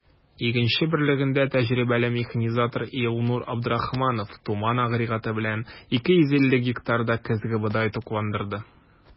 “игенче” берлегендә тәҗрибәле механизатор илнур абдрахманов “туман” агрегаты белән 250 гектарда көзге бодай тукландырды.